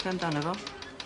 Be' amdano fo?